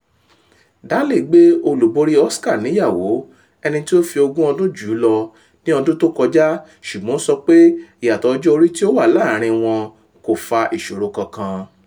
Daley gbé olùborí Oscar níyàwó, ẹní tí ó fi ogún ọdún jù ú lọ, ní ọdún tó kọjá ṣùgbọ́n ó sọ pé ìyàtọ̀ ọjọ́ orí tí ó wà láàrín wọm kò fà ìṣòro kankan.